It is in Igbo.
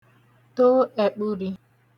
to ẹ̄kpụ̄rị̄